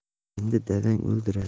endi dadang o'ldiradi